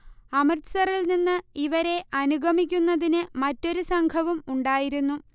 അമൃത്സറിൽനിന്ന് ഇവരെ അനുഗമിക്കുന്നതിന് മറ്റൊരു സംഘവും ഉണ്ടായിരുന്നു